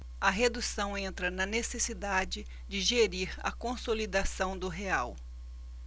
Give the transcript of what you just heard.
a redução entra na necessidade de gerir a consolidação do real